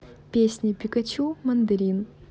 песня пикачу мандарин